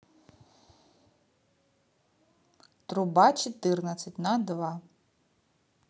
труба четырнадцать на два